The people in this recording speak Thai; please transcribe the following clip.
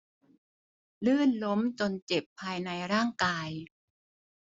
ลื่นล้มจนเจ็บภายในร่างกาย